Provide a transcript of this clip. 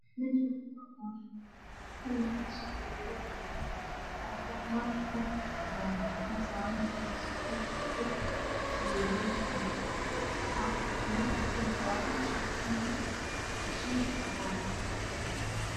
Meeshaan waa boor kalarkiisu uu yahay cagaar waxaa kuqoran far cadaan ah waxaa saaran biidso oo dahabi ah waxaa kudhex jiro shay gaduud ah shay cagaar ah iyo shay jaale ah.